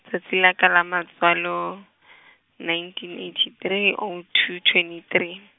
tšatši la ka la matswalo , nineteen eighty three oh two twenty three.